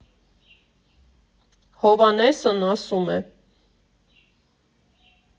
Հովհաննեսն ասում է.